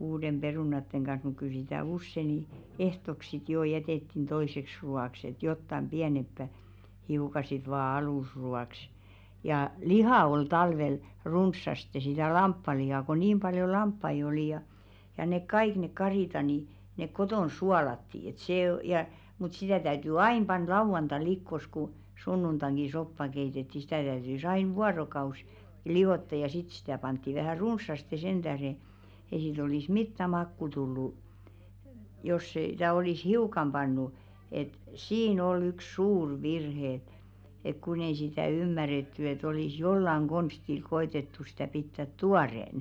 uuden perunoiden kanssa mutta kyllä sitä usein niin ehtooksi sitten jo jätettiin toiseksi ruoaksi että jotakin pienempää hiukan sitten vain alusruoaksi ja lihaa oli talvella runsaasti sitä lampaanlihaa kun niin paljon lampaita oli ja ja ne kaikki ne karitsat niin ne kotona suolattiin että se - ja mutta sitä täytyi aina panna lauantaina likoon kun sunnuntainakin soppa keitettiin sitä täytyi aina vuorokausi liottaa ja sitten sitä pantiin vähän runsaasti sen tähden ei siitä olisi mitään makua tullut jos - sitä olisi hiukan pannut että siinä oli yksi suuri virhe ja että kun ei sitä ymmärretty että olisi jollakin konstilla koetettu sitä pitää tuoreena